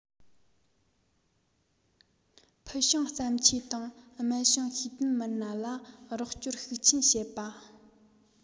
ཕུལ བྱུང བརྩམས ཆོས དང རྨད བྱུང ཤེས ལྡན མི སྣ ལ རོགས སྐྱོར ཤུགས ཆེན བྱེད པ